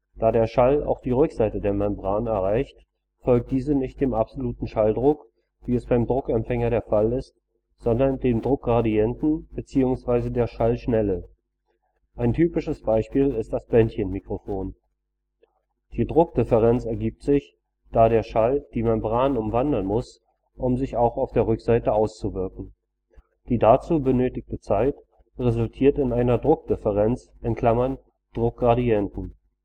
Da der Schall auch die Rückseite der Membran erreicht, folgt diese nicht dem absoluten Schalldruck, wie es beim Druckempfänger der Fall ist, sondern dem Druckgradienten bzw. der Schallschnelle. Ein typisches Beispiel ist das Bändchenmikrofon. Die Druck-Differenz ergibt sich, da der Schall die Membran umwandern muss, um sich auch auf der Rückseite auszuwirken. Die dazu benötigte Zeit Δt resultiert in einer „ Druckdifferenz “(einem Druckgradienten). Δp = pvorn − phinten Bei